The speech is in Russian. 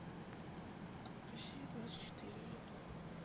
россия двадцать четыре ютуб